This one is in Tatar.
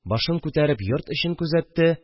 Башын күтәреп йорт эчен күзәтте